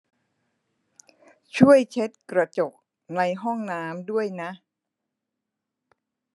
ช่วยเช็ดกระจกในห้องน้ำด้วยนะ